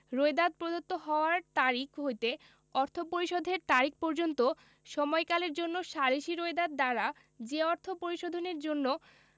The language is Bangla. রোয়েদাদ প্রদত্ত হওয়ার তারিখ হইতে অর্থ পরিশোধের তারিখ পর্যন্ত সময়কালের জন্য সালিসী রোয়েদাদ দ্বারা যে অর্থ পরিশোধনের জন্য